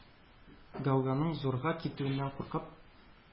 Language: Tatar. Гауганың зурга китүеннән куркып,